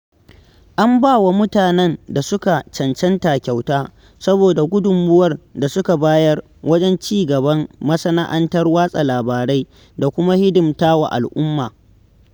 An ba wa mutanen da suka cancanta kyauta saboda gudummawar da suka bayar wajen ci gaban masana'antar watsa labarai da kuma hidimta wa al'umma.